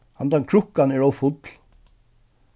handan krukkan er ov full